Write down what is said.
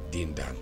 Den d'a